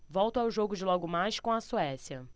volto ao jogo de logo mais com a suécia